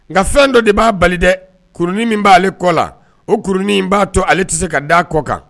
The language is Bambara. Nka fɛn dɔ de b'a bali dɛ kurununi min b'a ale kɔ la o kurununi in b'a to ale tɛ se ka d da kɔ kan